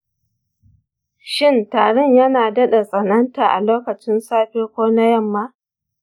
shin tarin yana daɗa tsananta a lokacin safe ko na yamma?